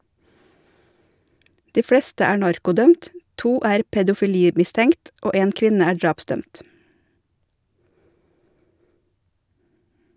De fleste er narkodømt, to er pedofili-mistenkt og en kvinne er drapsdømt.